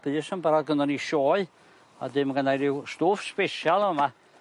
pys yn barod gynddon ni sioe, a 'dyn ma' gynnai ryw stwff sbesial y' fa' 'ma.